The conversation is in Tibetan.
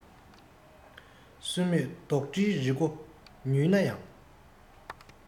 སུན མེད འབྲོག སྡེའི རི སྒོ ཉུལ ན ཡང